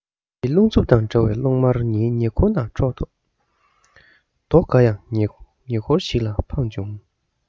མེ ལྕེའི རླུང འཚུབ དང འདྲ བའི གློག དམར ངའི ཉེ འཁོར ནས འཁྱུག ཐོག རྡོ འགའ ཡང ཉེ འཁོར ཞིག ལ འཕངས བྱུང